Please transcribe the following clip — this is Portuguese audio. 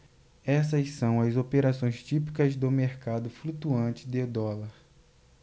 essas são as operações típicas do mercado flutuante de dólar